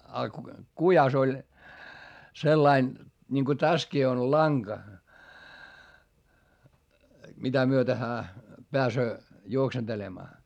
ja kujassa oli sellainen niin kun tässäkin on lanka mitä myöten hän pääsee juoksentelemaan